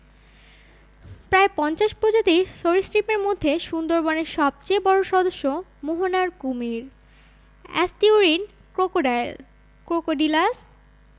প্রায় ৫০ প্রজাতির সরীসৃপের মধ্যে সুন্দরবনের সবচেয়ে বড় সদস্য মোহনার কুমির এস্তিউরিন ক্রোকডাইল ক্রোকোডিলাস